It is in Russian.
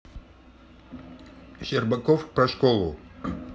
щербаков про школу